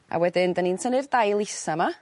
A wedyn 'dan ni'n tynnu'r dail isa 'ma